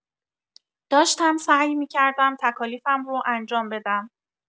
داشتم سعی می‌کردم تکالیفم رو انجام بدم.